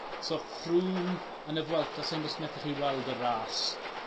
So Froome yn y Vuelta sai'n 'bo' os nethoch chi weld y ras